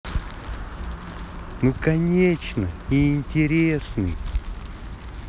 ну конечно и интересный